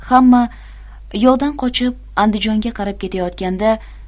hamma yovdan qochib andijonga qarab ketayotganda